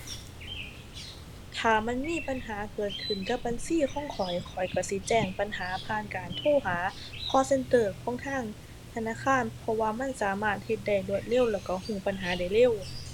ถ้ามันมีปัญหาเกิดขึ้นกับบัญชีของข้อย ข้อยก็สิแจ้งปัญหาผ่านการโทรหา call center ของทางธนาคาร เพราะว่ามันสามารถเฮ็ดได้รวดเร็ว แล้วก็ก็ปัญหาได้เร็ว